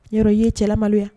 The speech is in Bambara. Yɔrɔ i ye cɛ lamaloya!